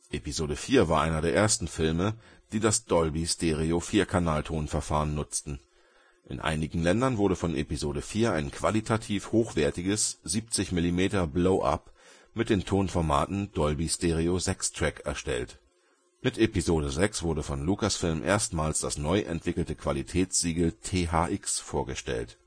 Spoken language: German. Episode IV war einer der ersten Filme die das Dolby Stereo 4 Kanal Tonverfahren nutzten. In einigen Ländern wurde von Episode IV ein qualitativ hochwertiges 70mm Blowup mit dem Tonformat Dolby Stereo 6 Track erstellt. Mit Episode VI wurde von Lucasfilm erstmals das neu entwickelte Qualitätssiegel THX vorgestellt